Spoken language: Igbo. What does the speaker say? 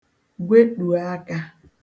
gweṭùo akā